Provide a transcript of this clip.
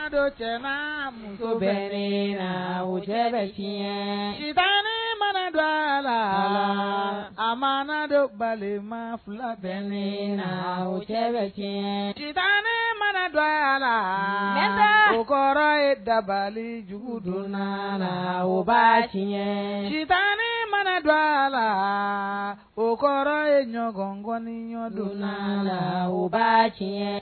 Dɔ caman muso bɛ la wo cɛ bɛɲɛ tan ne mana don a la a madon bali ma fila bɛ ne la wo cɛ bɛ kɛ tan ne mana dɔgɔ a la mɛsa u kɔrɔ ye dabalijugudon la wo ba tan ne mana don a la o kɔrɔ ye ɲɔgɔnkɔni ɲɔgɔndon la la ba kɛ